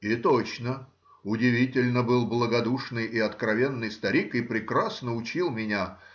И точно, удивительно был благодушный и откровенный старик и прекрасно учил меня.